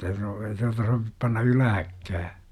no ei tuota sovi panna ylhäällekään